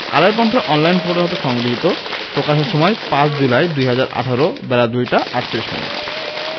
কালের কন্ঠের online portal হতে সংগৃহীত প্রকাশের সময় ৫ জুলাই ২০১৮ বেলা ২টা ৩৮ মিনিট